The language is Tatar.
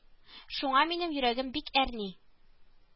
Шуңа минем йөрәгем бик әрни